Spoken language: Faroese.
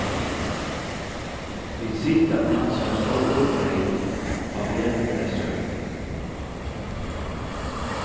vit sita í hansara stóra rugbreyði á veg til eysturoyartunnilin